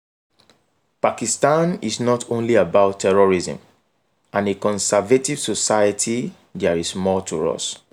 Pakistan is not only about terrorism and a conservative society there is more to us.